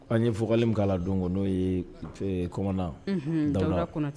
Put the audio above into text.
An ye fɔli min k'a la don n'o ye kɔnɔnana da